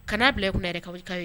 Ka'a bila kun yɛrɛ ka ye